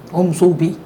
O musow bɛ yen